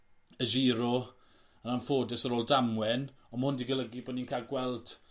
y Giro yn anffodus ar ôl damwen on' ma' 'wn 'di golygu bo' ni'n ca'l gweld